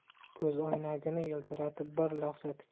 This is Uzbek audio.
ko'zoynagini yiltiratib bir lahza